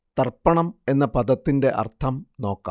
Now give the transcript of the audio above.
തർപ്പണം എന്ന പദത്തിന്റെ അർത്ഥം നോക്കാം